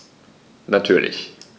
Natürlich.